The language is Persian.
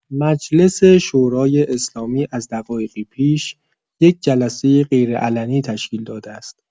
مجلس شورای اسلامی از دقایقی پیش یک جلسه غیرعلنی تشکیل داده است.